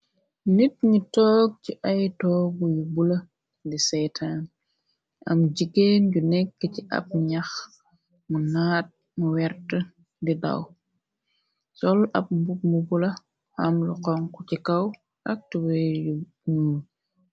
Nit ni toog ci ay toogu yu bula di seyten am jigéen yu nekk ci ab ñax mu naat mu wert di daw sol ab mbu mu bula xamlu xonk ci kaw actuwer yu ñu.